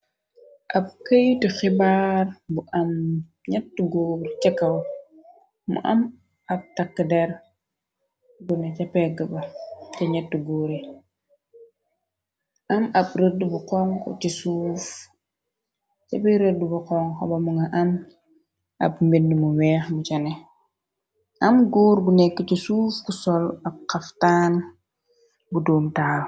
Ab këytu xibaar bu am ñett góor cekaw mu am ab takk der gu ne ca pegg ba ca ñett góore am ab rëdd bu xong ci suuf ca pe rëdd bu xonx ba mu nga an ab mbind mu weex bu cane am góor gu nekk ci suuf gu sol ab xaftaan bu duum taaw.